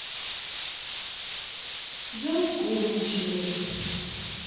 закончилось